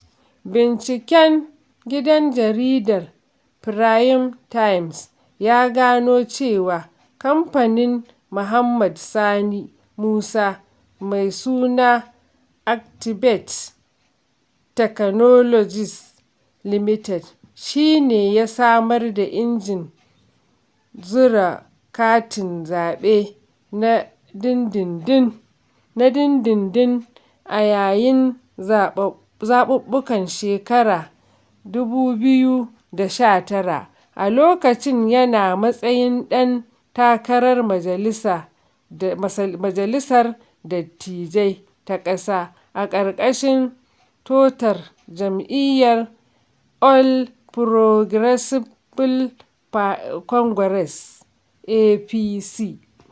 Binciken gidan jaridar Premium Times ya gano cewa kamfanin Mohammed Sani Musa mai suna Actiɓate Technologies Limited shi ne ya samar da injin zura katin zaɓe na din-din-din a yayin zaɓuɓɓukan shekarar 2019, a lokacin yana matsayin ɗan takarar majalisar dattijai ta ƙasa a ƙarƙashin tutar jam'iyyar All Progressiɓe Congress (APC).